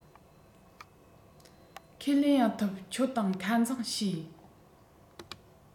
ཁས ལེན ཡང ཐུབ ཁྱོད དང ཁ འཛིང བྱས